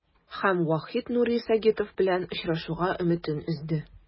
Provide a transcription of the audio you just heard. Һәм Вахит Нури Сагитов белән очрашуга өметен өзде.